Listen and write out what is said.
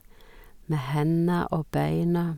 Med henda og beina.